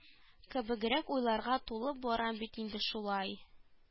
Кебегрәк уйларга тулып барам бит инде шулай